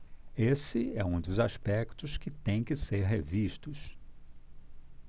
esse é um dos aspectos que têm que ser revistos